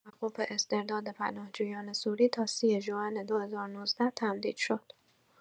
توقف استرداد پناهجویان سوری تا ۳۰ ژوئن ۲۰۱۹ تمدید شد.